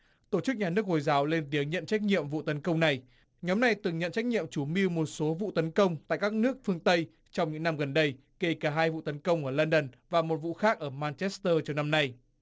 tổ chức nhà nước hồi giáo lên tiếng nhận trách nhiệm vụ tấn công này nhóm này từng nhận trách nhiệm chủ mưu một số vụ tấn công tại các nước phương tây trong những năm gần đây kể cả hai vụ tấn công ở london và một vụ khác ở manchester cho năm nay